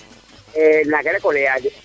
naga reko leya de